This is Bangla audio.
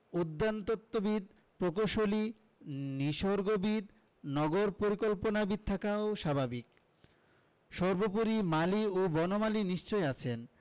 উদ্যানতত্ত্ববিদ প্রকৌশলী নিসর্গবিদ নগর পরিকল্পনাবিদ থাকাও স্বাভাবিক সর্বোপরি মালি ও বনমালী নিশ্চয়ই আছেন